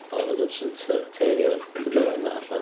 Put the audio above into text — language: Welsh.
Clawr oedd o jyst yn têrio'r tudalenau allan.